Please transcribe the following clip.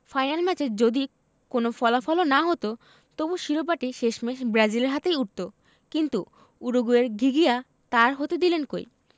final ম্যাচে যদি কোনো ফলাফলও না হতো তবু শিরোপাটি শেষমেশ ব্রাজিলের হাতেই উঠত কিন্তু উরুগুয়ের ঘিঘিয়া তা আর হতে দিলেন কই